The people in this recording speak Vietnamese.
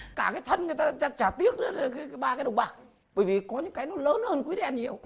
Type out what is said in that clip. cả cái thân người ta chả chả tiếc nữa là là ba cái đồng bạc ấy bởi vì có những cái nó lớn hơn quỹ đen nhiều